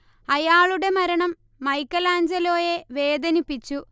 അയാളുടെ മരണം മൈക്കെലാഞ്ചലോയെ വേദനിപ്പിച്ചു